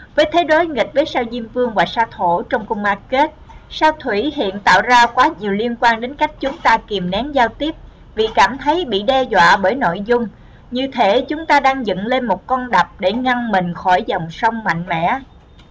với thế đối nghịch với sao diêm vương và sao thổ trong ma kết sao thủy hiện tạo ra quá nhiều liên quan đến cách chúng ta kìm nén giao tiếp vì cảm thấy bị đe dọa bởi nội dung như thể chúng ta đang dựng lên một con đập để ngăn mình khỏi dòng sông mạnh mẽ